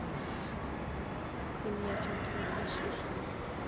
ты меня о чем то насмешишь